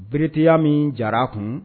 Bitiya min jara a kun